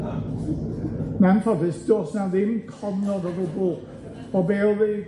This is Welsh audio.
Yn anffodus, do's 'na ddim cofnod o gwbel o be' o'dd